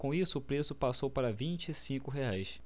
com isso o preço passou para vinte e cinco reais